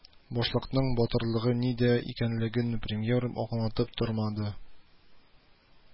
Башлыкның батырлыгы нидә икәнлеген премьер аңлатып тормады